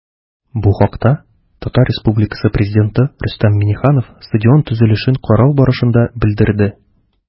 Бу хакта ТР Пррезиденты Рөстәм Миңнеханов стадион төзелешен карау барышында белдерде.